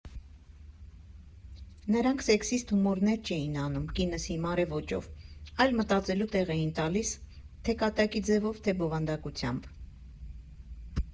Նրանք սեքսիստ հումորներ չէին անում «կինս հիմար է» ոճով, այլ մտածելու տեղ էին տալիս թե՛կատակի ձևով, թե՛ բովանդակությամբ։